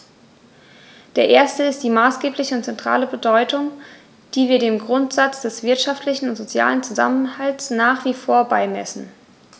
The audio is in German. Der erste ist die maßgebliche und zentrale Bedeutung, die wir dem Grundsatz des wirtschaftlichen und sozialen Zusammenhalts nach wie vor beimessen.